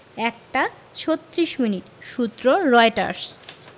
১ টা ৩৬ মিনিট সূত্রঃ রয়টার্স